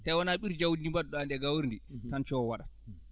taw wonaa ɗi ɓuri jawɗi ndi mbadduɗaa ndi e gawri ndi tan coow waɗat